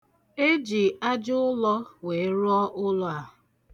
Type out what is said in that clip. E ji aja ụlọ wee rụọ ụlọ a.